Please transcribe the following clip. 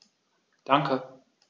Danke.